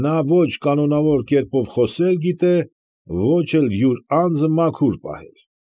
Նա ոչ կանոնավոր կերպով խոսել գիտե, ոչ էլ յուր անձը մաքուր պահել։